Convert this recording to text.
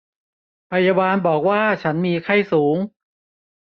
พยาบาลบอกว่าฉันมีไข้สูง